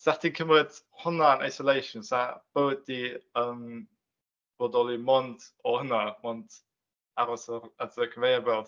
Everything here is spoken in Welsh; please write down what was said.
Sa chdi'n cymryd hwnna yn isolation sa bywyd ti'n yn bodoli mond o hynna, mond aros at y conveyor belt.